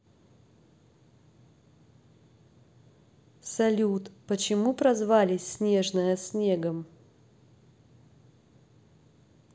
салют почему прозвались снежная снегом